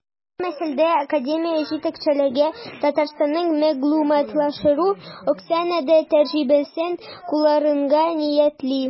Бу мәсьәләдә академия җитәкчелеге Татарстанның мәгълүматлаштыру өлкәсендә тәҗрибәсен кулланырга ниятли.